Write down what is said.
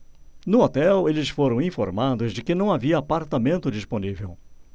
no hotel eles foram informados que não havia apartamento disponível